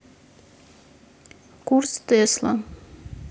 курс тесла